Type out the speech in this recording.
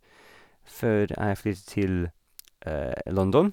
Før jeg flyttet til London.